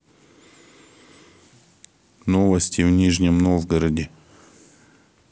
новости в нижнем новгороде